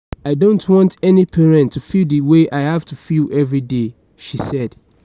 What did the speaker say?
"I don't want any parent to feel the way I have to feel everyday," she said.